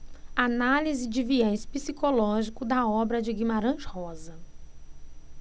análise de viés psicológico da obra de guimarães rosa